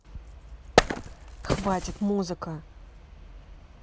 хватит музыка